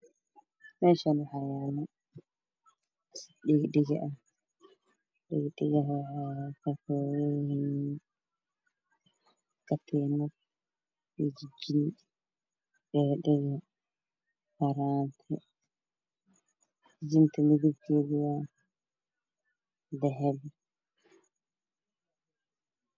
Meshan waxaa yala dhagodhago ah dhadhaga waxey ka koopan yihiin katiinad iyo jijin dhaga faraanti jijinta midab keedu waa dahapi